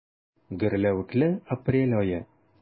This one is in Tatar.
Гөрләвекле апрель ае.